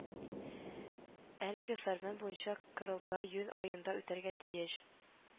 Әлеге фәрман буенча, корылтай июнь аенда үтәргә тиеш